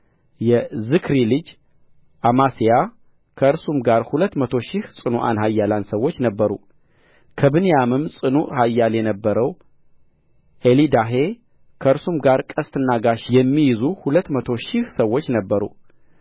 የዝክሪ ልጅ ዓማስያ ከእርሱም ጋር ሁለት መቶ ሺህ ጽኑዓን ኃያላን ሰዎች ነበሩ ከብንያምም ጽኑዕ ኃያል የነበረው ኤሊዳሄ ከእርሱም ጋር ቀስትና ጋሻ የሚይዙ ሁለት መቶ ሺህ ሰዎች ነበሩ